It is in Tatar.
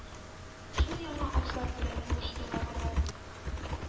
Шул яңа абзар белән булыштылар алар.